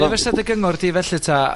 Be' fysa dy gyngor di felly 'ta...